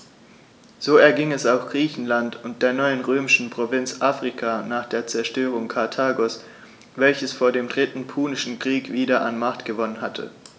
So erging es auch Griechenland und der neuen römischen Provinz Afrika nach der Zerstörung Karthagos, welches vor dem Dritten Punischen Krieg wieder an Macht gewonnen hatte.